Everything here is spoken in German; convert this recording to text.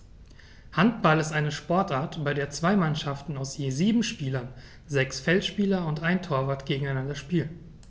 Handball ist eine Sportart, bei der zwei Mannschaften aus je sieben Spielern (sechs Feldspieler und ein Torwart) gegeneinander spielen.